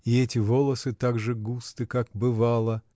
И эти волосы так же густы, как бывало.